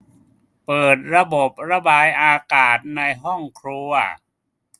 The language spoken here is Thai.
เปิดระบบระบายอากาศในห้องครัว